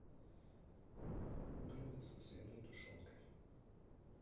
блюда со свиной тушенкой